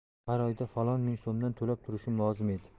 har oyda falon ming so'mdan to'lab turishim lozim edi